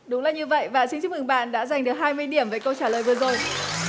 đúng là như vậy và xin chúc mừng bạn đã giành được hai mươi điểm với câu trả lời vừa rồi